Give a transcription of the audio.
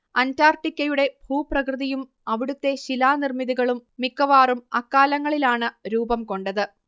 അന്റാർട്ടിക്കയുടെ ഭൂപ്രകൃതിയും അവിടുത്തെ ശിലാനിർമ്മിതികളും മിക്കവാറും അക്കാലങ്ങളിലാണ് രൂപം കൊണ്ടത്